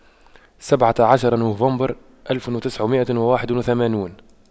سبعة عشر نوفمبر ألف وتسعمئة وواحد وثمانون